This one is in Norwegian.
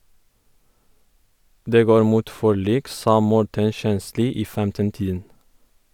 - Det går mot forlik, sa Morten Kjensli i 15-tiden.